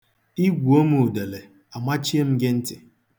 Igwuo m udele, amachie m gị ntị.